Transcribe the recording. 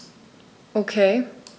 Okay.